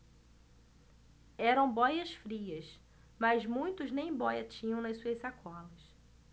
eram bóias-frias mas muitos nem bóia tinham nas suas sacolas